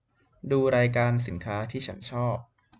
ดูรายการสินค้าที่ฉันชอบ